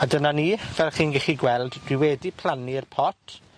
A dyna ni, fel chi'n gellu gweld, dwi wedi plannu'r pot.